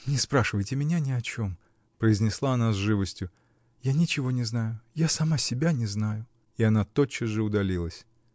-- Не спрашивайте меня ни о чем, -- произнесла она с живостью, -- я ничего не знаю я сама себя не знаю. И она тотчас же удалилась.